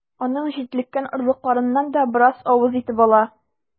Аның җитлеккән орлыкларыннан да бераз авыз итеп ала.